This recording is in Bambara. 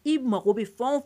I mako ne fɛn